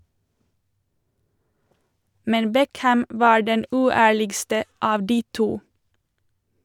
Men Beckham var den uærligste av de to.